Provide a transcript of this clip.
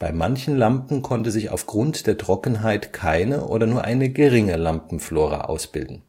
manchen Lampen konnte sich aufgrund der Trockenheit keine oder nur eine geringe Lampenflora ausbilden